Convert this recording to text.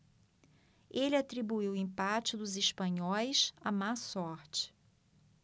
ele atribuiu o empate dos espanhóis à má sorte